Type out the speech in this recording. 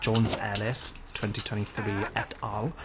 Jones, Ellis twenty twenty three et al.